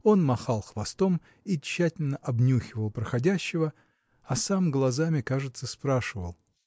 он махал хвостом и тщательно обнюхивал проходящего а сам глазами кажется спрашивал